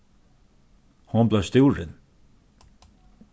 hon bleiv stúrin